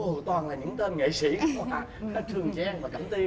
ô toàn là những tên nghệ sỹ cả trường giang và cẩm tiên